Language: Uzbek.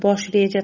bosh reja